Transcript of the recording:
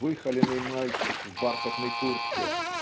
выхоленный мальчик в бархатной куртке